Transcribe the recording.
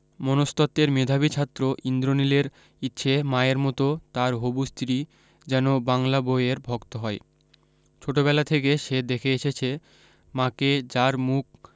মনস্তত্ত্বের মেধাবী ছাত্র ইন্দ্রনীলের ইচ্ছে মায়ের মত তার হবু স্ত্রী যেন বাংলা বৈয়ের ভক্ত হয় ছোটবেলা থেকে সে দেখে এসেছে মাকে যার মুখ